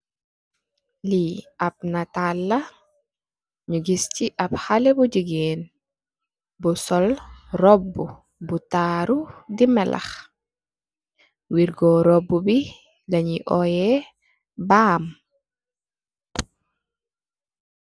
Iii ab naatal la, ñu gis si ab xalé bu jigéen bu sol roobu bu taaru di melax. Roobu bii la ñuy oye, baam.